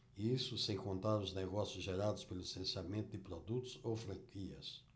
isso sem contar os negócios gerados pelo licenciamento de produtos ou franquias